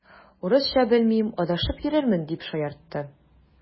Урысча белмим, адашып йөрермен, дип шаяртты.